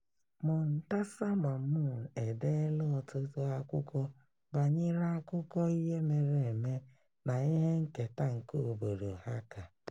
Muntasir Mamun edeela ọtụtụ akwụkwọ banyere akụkọ ihe mere eme na ihe nketa nke obodo Dhaka.